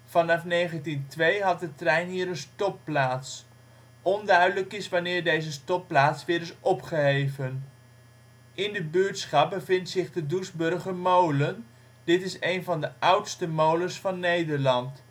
Vanaf 1902 had de trein hier een stopplaats. Onduidelijk is wanneer deze stopplaats weer is opgeheven. In de buurtschap bevindt zich de Doesburgermolen. Dit is een van de oudste molens van Nederland